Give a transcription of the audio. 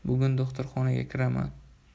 bugun do'xtirxonaga kiraman